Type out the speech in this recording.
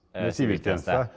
siviltjeneste.